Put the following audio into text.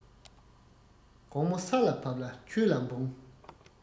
དགོང མོ ས ལ བབས ལ ཆོས ལ འབུངས